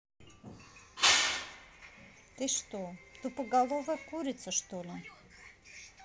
ты что тупоголовая курица что ли